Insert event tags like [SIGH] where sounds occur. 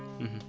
[HESITATION] [HESITATION]